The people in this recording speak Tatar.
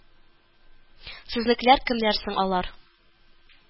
Сезнекеләр кемнәр соң алар